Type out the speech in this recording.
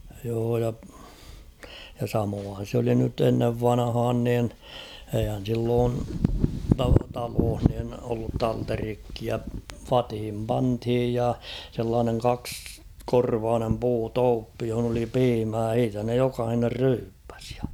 joo ja ja samoinhan se oli nyt ennen vanhaan niin eihän silloin - taloissa niin ollut talterikkeja vatiin pantiin ja sellainen kaksikorvainen puutuoppi jossa oli piimää siitä ne jokainen ryyppäsi